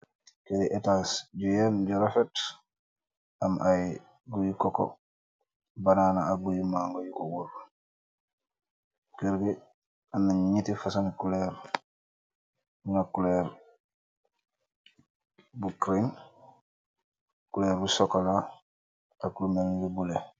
Lii etaas bu yem, bu refet, am ay guyi koko, banaana ak ay guyi maango yu ko wër. Kër gi, am ñetti kulor yu ko wër. Am na kuloor bu giriin, kuloor bu sokolaa, ak bu melni buloo.